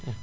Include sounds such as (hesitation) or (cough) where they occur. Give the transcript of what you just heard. (hesitation) (hesitation)